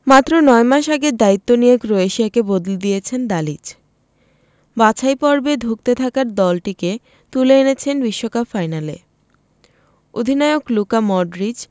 মাত্র ৯ মাস আগে দায়িত্ব নিয়ে ক্রোয়েশিয়াকে বদলে দিয়েছেন দালিচ বাছাই পর্বে ধুঁকতে থাকা দলটিকে তুলে এনেছেন বিশ্বকাপ ফাইনালে অধিনায়ক লুকা মডরিচ